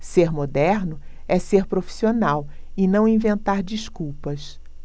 ser moderno é ser profissional e não inventar desculpas